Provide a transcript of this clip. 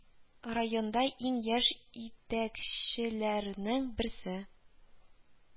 Районда иң яшь итәк че ләрнең берсе